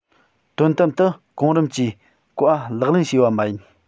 དོན དམ དུ གོང རིམ གྱི བཀའ ལག ལེན བྱས པ མ ཡིན